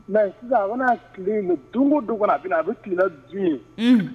Mɛ sisan a tile don don a a bɛ tilenla dun ye